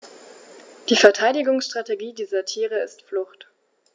Die Verteidigungsstrategie dieser Tiere ist Flucht.